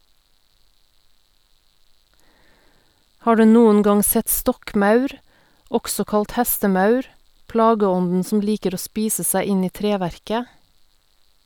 Har du noen gang sett stokkmaur, også kalt hestemaur, plageånden som liker å spise seg inn i treverket?